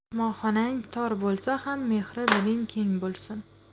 mehmonxonang tor bo'lsa ham mehri diling keng bo'lsin